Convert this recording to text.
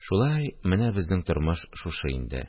Шулай, менә безнең тормыш шушы инде